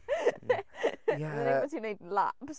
Ie... bod ti'n wneud laps.